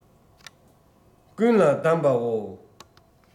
ཀུན ལ གདམས པ འོ